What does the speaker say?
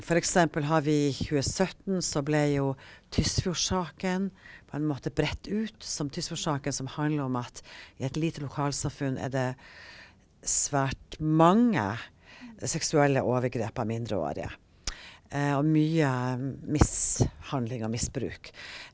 f.eks. har vi i tjuesøtten så blei jo Tysfjordsaken på en måte bredt ut som Tysfjordsaken som handler om at i et lite lokalsamfunn er det svært mange seksuelle overgrep av mindreårige og mye mishandling og misbruk.